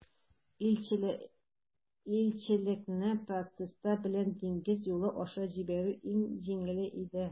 Илчелекне принцесса белән диңгез юлы аша җибәрү иң җиңеле иде.